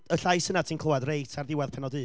y llais yna ti'n clywed reit ar ddiwedd pennod un.